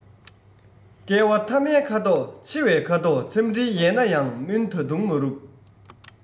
བསྐལ བ མཐའ མའི ཁ དོག འཆི བའི ཁ དོག མཚམས སྤྲིན ཡལ ན ཡང མུན ད དུང མ རུབ